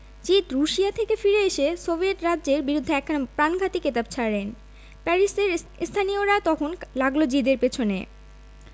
জিদ Russia থেকে ফিরে এসে সোভিয়েট রাজ্যের বিরুদ্ধে একখানা প্রাণঘাতী কেতাব ছাড়েন প্যারিসের স্তালিনীয়রা তখন লাগল জিদের পেছনে